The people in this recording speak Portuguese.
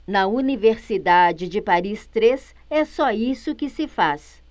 na universidade de paris três é só isso que se faz